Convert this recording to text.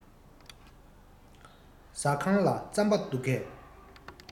ཟ ཁང ལ རྩམ པ འདུག གས